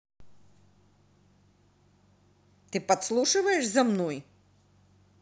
ты подслушиваешь за мной